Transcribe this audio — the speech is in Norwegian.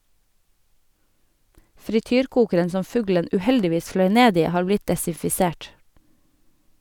Frityrkokeren som fuglen uheldigvis fløy ned i, har blitt desinfisert.